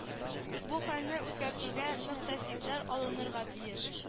Бу хәлне үзгәртүгә мөхтәсибләр алынырга тиеш